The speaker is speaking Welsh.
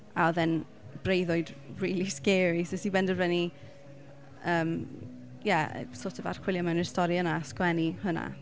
A oedd e'n breuddwyd rili scary so wnes i benderfynu yym ie sort of archwilio mewn i'r stori yna a sgwennu hwnna.